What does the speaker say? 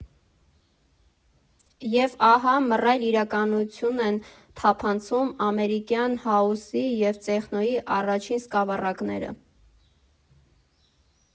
Եվ ահա այս մռայլ իրականություն են թափանցում ամերիկյան հաուսի և տեխնոյի առաջին սկավառակները։